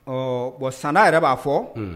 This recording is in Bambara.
Ɔ bɔn san yɛrɛ b'a fɔ